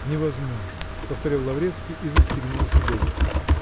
-- Невозможно, -- повторил Лаврецкий и застегнулся доверху.